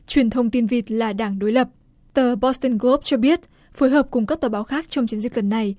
truyền thông tin vịt là đảng đối lập tờ bo từn gờ lốp cho biết phối hợp cùng các tờ báo khác trong chiến dịch lần này